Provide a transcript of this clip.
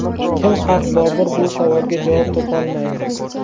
kim haq bobur bu savolga javob topolmaydi